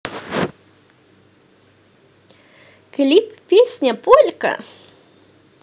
клип песня полька